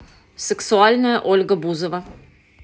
сексуальная ольга бузова